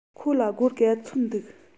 ཁོ ལ སྒོར ག ཚོད འདུག